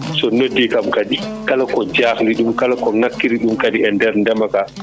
so noddi kam kadi kala ko jahliɗum kala ko ngakkiri ɗum kadi e nder ndemaka